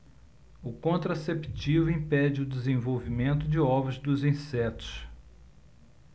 o contraceptivo impede o desenvolvimento de ovos dos insetos